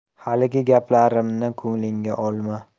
haligi gaplarimni ko'nglingga olma